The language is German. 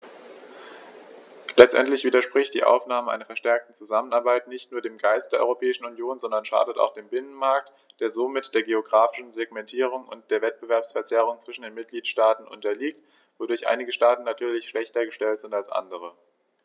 Letztendlich widerspricht die Aufnahme einer verstärkten Zusammenarbeit nicht nur dem Geist der Europäischen Union, sondern schadet auch dem Binnenmarkt, der somit der geographischen Segmentierung und der Wettbewerbsverzerrung zwischen den Mitgliedstaaten unterliegt, wodurch einige Staaten natürlich schlechter gestellt sind als andere.